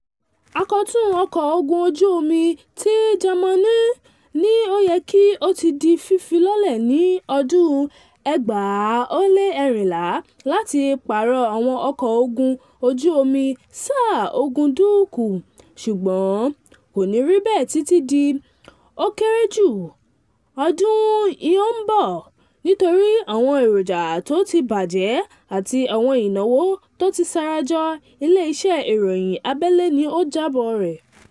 Àkọ̀tun Ọkọ̀ ogun ojú omi ti Jámáànù ní ó yẹ kí ó ti di fífi lọ́lẹ̀ ní ọdún 2014 láti pààrọ̀ àwọn ọkọ̀ ogun ojú omi Sáà-ogún Dúkùú, ṣùgbọ́n kò ní rí bẹ́ẹ̀ títí di, ó kéré jù, ọdún í ó ń bọ̀ nítorí àwọn èròjà tó ti bàjẹ̀ àti àwọn ìnáwò tó ti ṣarajọ, ilé iṣẹ́ ìròyìn abẹ́léni ó jábọ̀ rẹ̀.